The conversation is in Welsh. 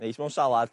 Neis mewn salad.